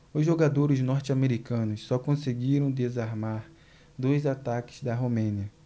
os jogadores norte-americanos só conseguiram desarmar dois ataques da romênia